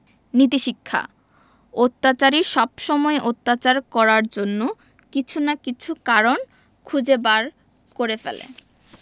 নীতিশিক্ষা অত্যাচারী সবসময়ই অত্যাচার করার জন্য কিছু না কিছু কারণ খুঁজে বার করে ফেলে